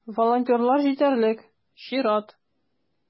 Волонтерлар җитәрлек - чират.